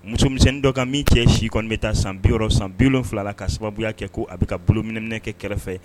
Musomisɛn dɔ ka min cɛ si kɔnɔ bɛ taa san biyɔrɔ san bilon wolonwula ka sababuya kɛ ko a bɛ ka bolominɛminɛkɛ kɛrɛfɛ